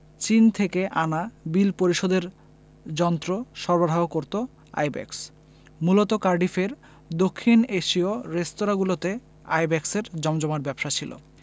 চীন থেকে আনা বিল পরিশোধের যন্ত্র সরবরাহ করত আইব্যাকস মূলত কার্ডিফের দক্ষিণ এশীয় রেস্তোরাঁগুলোতে আইব্যাকসের জমজমাট ব্যবসা ছিল